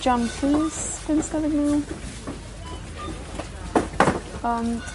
Jam ganddyn nw, ond